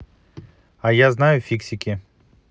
а я знаю фиксики